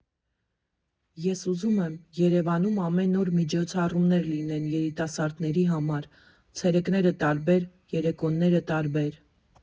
Ես ուզում եմ Երևանում ամեն օր միջոցառումներ լինեն երիտասարդների համար՝ ցերեկները՝ տարբեր, երեկոները՝ տարբեր։